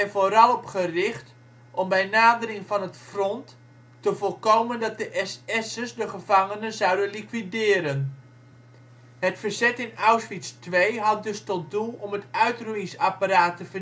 vooral op gericht om bij nadering van het front te voorkomen dat de SS'ers de gevangenen zouden liquideren. Het verzet in Auschwitz II had dus tot doel om het uitroeiingsapparaat